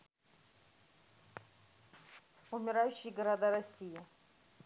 умирающие города россии